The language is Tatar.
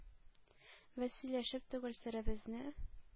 Без сөйләшеп түгел, серебезне